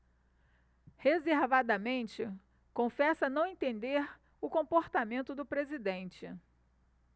reservadamente confessa não entender o comportamento do presidente